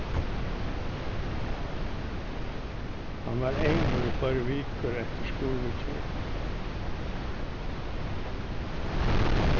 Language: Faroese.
hann var eymur í fleiri vikur eftir skurðviðgerðina